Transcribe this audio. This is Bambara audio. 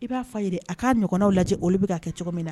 I b'a fɔ jira a k'a ɲɔgɔnw lajɛ olu bɛ' kɛ cogo min na